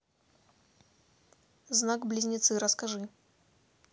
знак близнецы расскажи